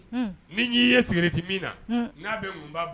Ni i na' bɛ mun b ba